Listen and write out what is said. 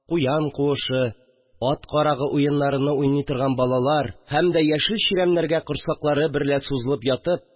Куян куышы, ат карагы уеннарыны уйный торган балалар һәм дә, яшел чирәмнәргә корсаклары берлә сузылып ятып